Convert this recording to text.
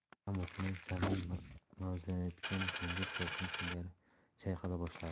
dam o'tmay zamin mavjlanayotgan dengiz to'lqini singari chayqala boshladi